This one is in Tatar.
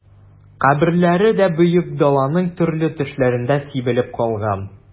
Каберләре дә Бөек Даланың төрле төшләрендә сибелеп калган...